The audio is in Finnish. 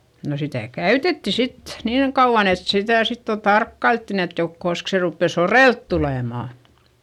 no sitä käytettiin sitten niin kauan että sitä sitten jo tarkkailtiin että - koska se rupeaa soreelle tulemaan